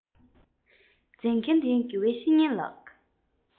མཛད མཁན དེ དགེ བའི བཤེས གཉེན ལགས